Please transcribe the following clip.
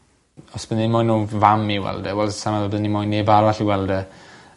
Os by' ni 'im mo'yn wm fam i weld e wel sai meddwl bydden i mo'yn neb arall i weld e.